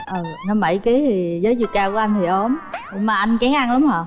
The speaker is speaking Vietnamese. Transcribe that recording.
ờ năm bảy kí thì dới chiều cao của anh thì ốm mà anh kén ăn lắm à